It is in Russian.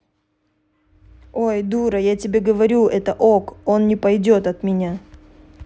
ой дура я тебе говорю это ок он не пойдет от меня